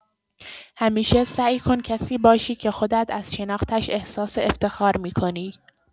همیشه سعی کن کسی باشی که خودت از شناختنش احساس افتخار می‌کنی.